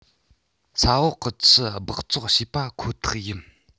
ས འོག གི ཆུ སྦགས བཙོག བྱེད པ ཁོ ཐག ཡིན